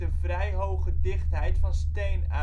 vrij hoge dichtheid van steenuilen